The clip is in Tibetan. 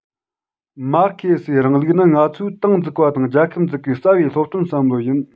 མར ཁེ སིའི རིང ལུགས ནི ང ཚོས ཏང འཛུགས པ དང རྒྱལ ཁབ འཛུགས པའི རྩ བའི སློབ སྟོན བསམ བློ ཡིན